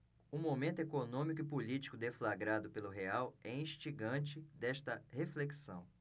o momento econômico e político deflagrado pelo real é instigante desta reflexão